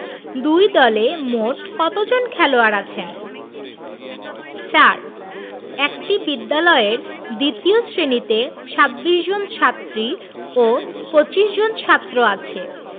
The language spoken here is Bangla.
দুই দলে মোট কতজন খেলোয়াড় আছেন ৪ একটি বিদ্যালয়ের দ্বিতীয় শ্রেণিতে ২৬ জন ছাত্রী ও ২৫ জন ছাত্র আছে